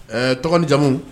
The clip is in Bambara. Ɛɛ tɔgɔ jamu